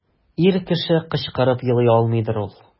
Ир кеше кычкырып елый алмыйдыр ул.